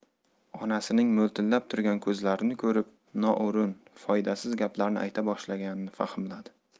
onasining mo'ltillab turgan ko'zlarini ko'rib noo'rin foydasiz gaplarni ayta boshlaganini fahmladi